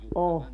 on